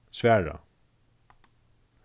svara